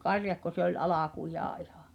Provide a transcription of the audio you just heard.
karjakko se oli alkujaan ihan